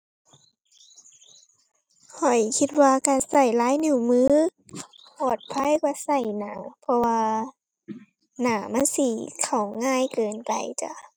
ข้อยคิดว่าการใช้ลายนิ้วมือปลอดภัยกว่าใช้หน้า เพราะว่าหน้ามันสิเข้าง่ายเกินไปจ้ะ